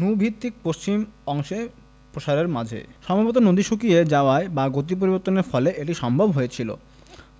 নু ভিত্তির পশ্চিম অংশের প্রসারের মাঝে সম্ভবত নদী শুকিয়ে যাওয়ায় বা গতি পরিবর্তনের ফলে এটি সম্ভব হয়েছিল